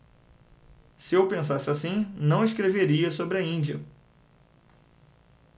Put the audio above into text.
se eu pensasse assim não escreveria sobre a índia